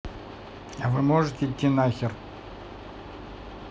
а вы можете идти нахер